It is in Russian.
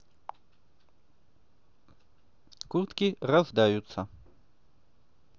куртки рождаются